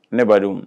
Ne ba